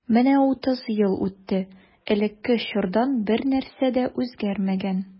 Менә утыз ел үтте, элекке чордан бернәрсә дә үзгәрмәгән.